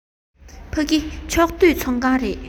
ཕ གི ཕྱོགས བསྡུས ཚོགས ཁང རེད